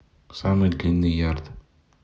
самый длинный ярд